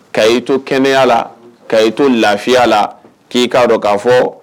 Ka'i to kɛnɛyaya la ka' to lafiya la k'i k'a dɔn kaa fɔ